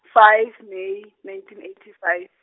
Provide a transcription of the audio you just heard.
five May nineteen eighty five.